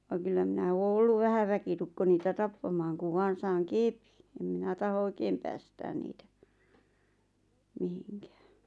vaan kyllä minä ole ollut vähän väkitukko niitä tappamaan kun vain saan kepin en minä tahdo oikein päästää niitä mihinkään